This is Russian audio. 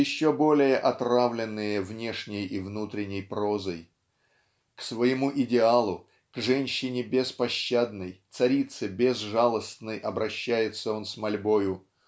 еще более отравленные внешней и внутренней прозой ?. К своему идеалу к женщине беспощадной царице безжалостной обращается он с мольбою